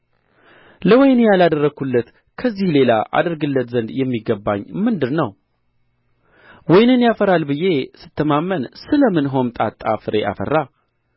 ለወይኔ ያላደረግሁለት ከዚህ ሌላ አደርግለት ዘንድ የሚገባኝ ምንድር ነው ወይንን ያፈራል ብዬ ስትማመን ስለ ምን ሆምጣጣ ፍሬ አፈራ